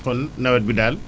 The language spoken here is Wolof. kon nawet bi daal